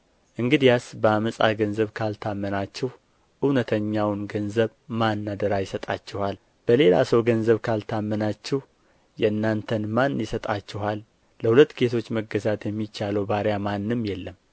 እንግዲያስ በዓመፃ ገንዘብ ካልታመናችሁ እውነተኛውን ገንዘብ ማን አደራ ይሰጣችኋል በሌላ ሰው ገንዘብ ካልታመናችሁ የእናንተን ማን ይሰጣችኋል ለሁለት ጌቶች መገዛት የሚቻለው ባርያ ማንም የለም